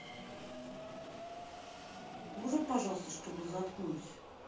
можно пожалуйста чтобы заткнулись